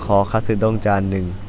ขอคัตสึด้งจานหนึ่ง